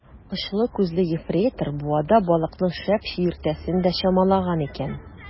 Очлы күзле ефрейтор буада балыкның шәп чиертәсен дә чамалаган икән.